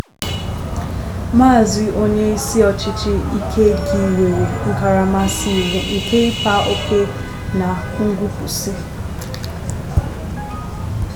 Maazị onye isi ọchịchị, ike gị nwere nkaramasị iwu nke ịkpa oke na ngụpusị.